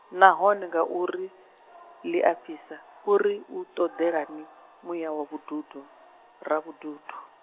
nahone ngauri, ḽi a fhisa uri u ṱoḓelani muya wa vhududo, Ravhududo?